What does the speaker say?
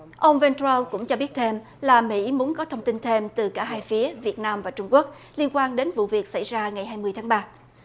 ông ven trâu cũng cho biết thêm là mỹ muốn có thông tin thêm từ cả hai phía việt nam và trung quốc liên quan đến vụ việc xảy ra ngày hai mươi tháng ba